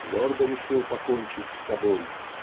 твердо решил покончить с собой.